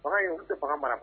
Fanga y' tɛ fanga mara kɔnɔ